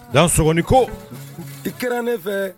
Dan sɔgɔnɔni ko i kɛra ne fɛ